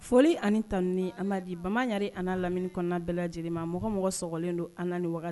Foli ani taununi an'adi bamayare an lamini kɔnɔna bɛɛ lajɛlen mɔgɔ mɔgɔ sɔrɔlen don an ni